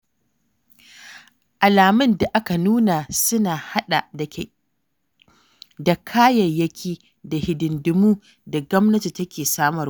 Alamun da aka auna suna haɗa da kayayyaki da hidindimu da gwamnati take samarwa.